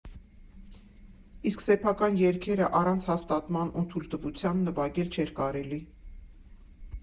Իսկ սեփական երգերը, առանց հաստատման ու թույլտվության, նվագել չէր կարելի»։